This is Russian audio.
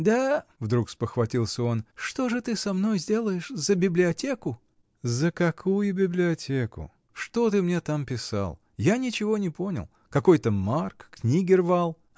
Да. — вдруг спохватился он, — что же ты со мной сделаешь. за библиотеку? — За какую библиотеку? Что ты мне там писал? Я ничего не понял! Какой-то Марк книги рвал.